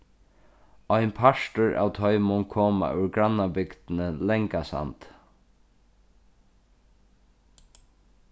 ein partur av teimum koma úr grannabygdini langasandi